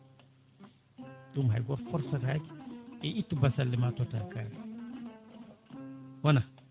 ɗum hay goto force setake e ittu basalle ma totta kaari wona